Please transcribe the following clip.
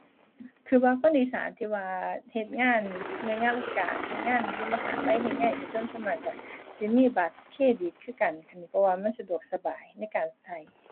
คิดว่าคนอีสานที่ว่าเฮ็ดงานหน่วยงานราชการ เฮ็ดงานอยู่มหาลัย เฮ็ดงานเอกชนส่วนมากคิดสิมีบัตรเครดิตคือกันคันหนิ เพราะว่ามันสะดวกสบายในการคิด